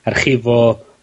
archifo